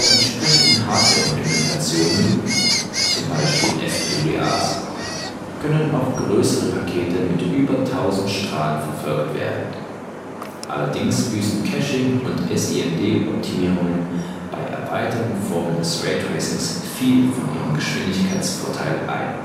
entsprechenden Hardwareimplementationen – zum Beispiel auf FPGAs – können auch größere Pakete mit über 1000 Strahlen verfolgt werden. Allerdings büßen Caching - und SIMD-Optimierungen bei erweiterten Formen des Raytracings viel von ihrem Geschwindigkeitsvorteil ein